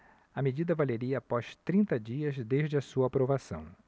a medida valeria após trinta dias desde a sua aprovação